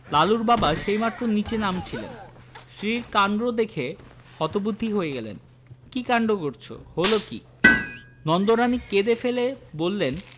লালুর বাবা সেইমাত্র নীচে নামছিলেন স্ত্রীর কাণ্ড দেখে হতবুদ্ধি হয়ে গেলেন কি কাণ্ড করচ হলো কি নন্দরানী কেঁদে ফেলে বললেন